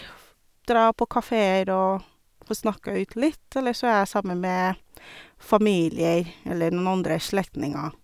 Dra på kafeer og få snakka ut litt, ellers så er jeg sammen med familier eller noen andre slektninger.